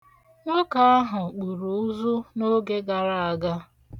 Nwoke ahụ kpụrụ ụzụ n'oge gara aga.